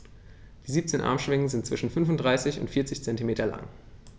Die 17 Armschwingen sind zwischen 35 und 40 cm lang.